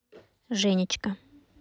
женечка